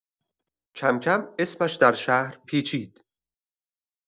کم‌کم اسمش در شهر پیچید.